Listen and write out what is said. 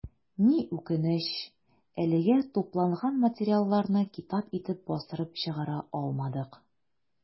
Ни үкенеч, әлегә тупланган материалларны китап итеп бастырып чыгара алмадык.